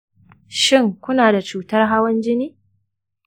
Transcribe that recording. shin ku na da cutar hawan jini